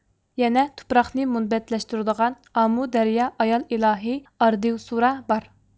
يەنە تۇپراقنى مۇنبەتلەشتۈرىدىغان ئامۇ دەريا ئايال ئىلاھى ئاردىۋسۇرا بار